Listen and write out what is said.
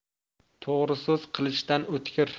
to'g'ri so'z qilichdan o'tkir